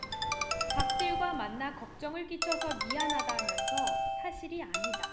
박 들과 만나 걱정을 끼쳐서 미안하다면서 사실이 아니다